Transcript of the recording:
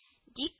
Дип